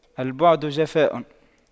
البعد جفاء